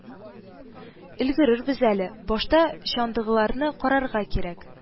Өлгерербез әле, башта чандагыларны карарга кирәк